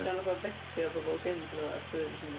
'Di o'n fatha fetio bobl cynt neu wbath, ta ydy o jyst yn mynd am...